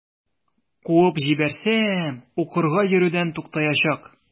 Куып җибәрсәм, укырга йөрүдән туктаячак.